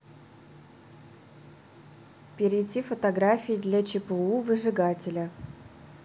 перейти фотографии для чпу выжигателя